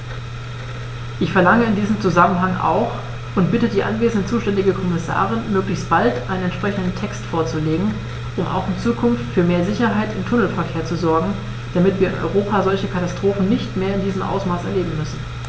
Ich verlange in diesem Zusammenhang auch und bitte die anwesende zuständige Kommissarin, möglichst bald einen entsprechenden Text vorzulegen, um auch in Zukunft für mehr Sicherheit im Tunnelverkehr zu sorgen, damit wir in Europa solche Katastrophen nicht mehr in diesem Ausmaß erleben müssen!